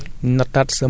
ñëw lal ko